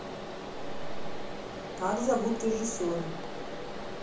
как зовут режиссера